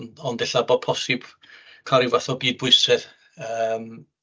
Ond ella bod posib cael ryw fath o gydbwysedd yym.